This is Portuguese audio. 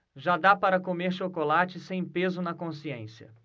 já dá para comer chocolate sem peso na consciência